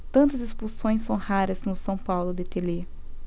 tantas expulsões são raras no são paulo de telê